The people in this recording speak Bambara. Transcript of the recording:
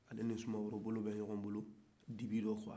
a le ni sumaworo bolo bɛ ɲɔgɔbolo dibila quoi